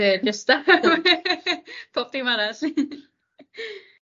Lle yn distaw. Pob dim arall.